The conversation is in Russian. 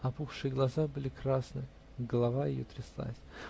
опухшие глаза были красны, голова ее тряслась